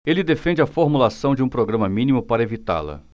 ele defende a formulação de um programa mínimo para evitá-la